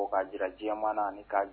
Ɔ k'a jira diɲɛ maa na, ani k'a